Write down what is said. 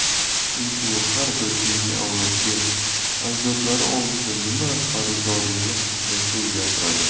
chunki u har bir keyingi avlodga ajdodlari oldida nima qarzdorligi haqida ko'p gapiradi